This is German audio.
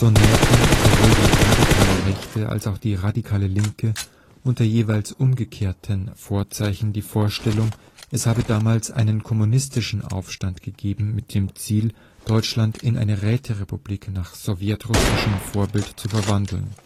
nährten sowohl die radikale Rechte als auch die radikale Linke – unter jeweils umgekehrten Vorzeichen – die Vorstellung, es habe damals einen kommunistischen Aufstand gegeben mit dem Ziel, Deutschland in eine Räterepublik nach sowjetrussischem Vorbild zu verwandeln